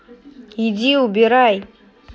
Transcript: иди убирай